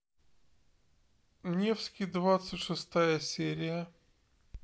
невский двадцать шестая серия